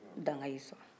dnaga y' i sɔrɔ